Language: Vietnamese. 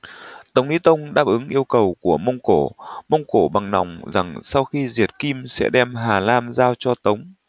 tống lý tông đáp ứng yêu cầu của mông cổ mông cổ bằng lòng rằng sau khi diệt kim sẽ đem hà nam giao cho tống